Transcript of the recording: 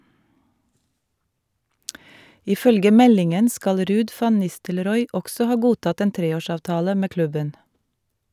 Ifølge meldingen skal Ruud van Nistelrooy også ha godtatt en treårsavtale med klubben.